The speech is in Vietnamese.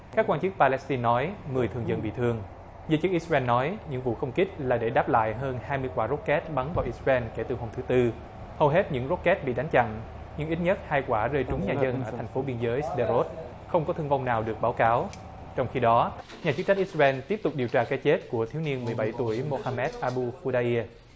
các quan chức pa len si nói mười thường dân bị thương giữ chức i ren nói những vụ không kích là để đáp lại hơn hai mươi quả rốc két bắn vào i ren kể từ hôm thứ tư hầu hết những rốc két bị đánh chặn nhưng ít nhất hai quả rơi trúng nhà dân thành phố biên giới đe rốt không có thương vong nào được báo cáo trong khi đó nhà chức trách i ren tiếp tục điều tra cái chết của thiếu niên mười bảy tuổi mô ha mét a ru cô đa đia